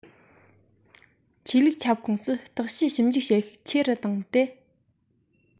ཆོས ལུགས ཁྱབ ཁོངས སུ བརྟག དཔྱད ཞིབ འཇུག བྱེད ཤུགས ཆེ རུ བཏང སྟེ